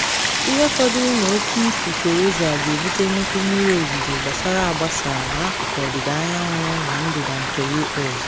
Ihe fọdụrụ na Oke Ifufe Rosa ga-ebute nnukwu mmiri ozizo gbasara agbasa n’akụkụ ọdịda anywa na ndịda nke US